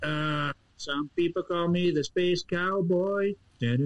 Yy, Some people call me the space cowboy...